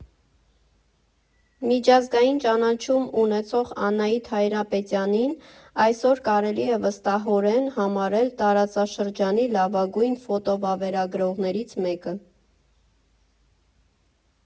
Միջազգային ճանաչում ունեցող Անահիտ Հայրապետյանին այսօր կարելի վստահորեն համարել տարածաշրջանի լավագույն ֆոտո֊վավերագրողներից մեկը։